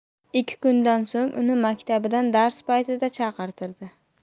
ikki kundan so'ng uni maktabidan dars paytida chaqirtirdi